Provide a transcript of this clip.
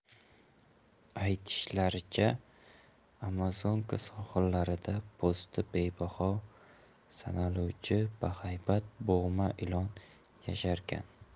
aytishlaricha amazonka sohillarida po'sti bebaho sanaluvchi bahaybat bo'g'ma ilon yasharkan